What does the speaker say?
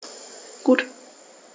Gut.